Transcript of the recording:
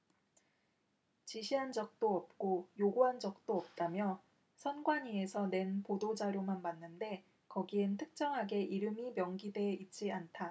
지시한 적도 없고 요구한 적도 없다며 선관위에서 낸 보도자료만 봤는데 거기엔 특정하게 이름이 명기돼 있지 않다